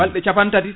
balɗe capan tati